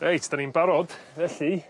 Reit 'dan ni'n barod felly